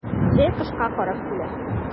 Җәй кышка карап килә.